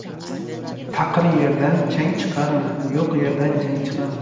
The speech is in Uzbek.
taqir yerdan chang chiqarma yo'q yerdan jang chiqarma